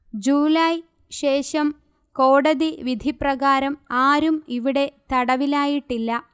ജൂലായ് ശേഷം കോടതി വിധിപ്രകാരം ആരും ഇവിടെ തടവിലായിട്ടില്ല